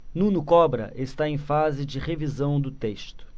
nuno cobra está em fase de revisão do texto